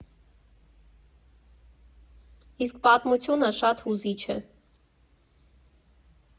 Իսկ պատմությունը շատ հուզիչ է.